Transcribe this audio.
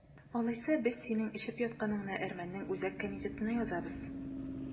Алайса, без синең эчеп ятканыңны әрмәннең үзәк комитетына язабыз!